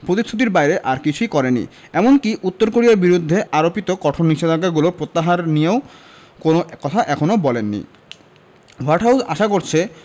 প্রতিশ্রুতির বাইরে আর কিছুই করেনি এমনকি উত্তর কোরিয়ার বিরুদ্ধে আরোপিত কঠোর নিষেধাজ্ঞাগুলো প্রত্যাহার নিয়েও কোনো কথা এখনো বলেনি হোয়াইট হাউস আশা করছে